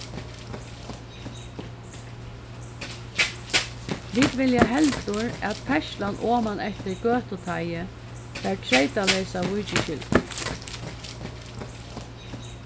vit vilja heldur at ferðslan oman eftir gøtuteigi fær treytaleysa víkiskyldu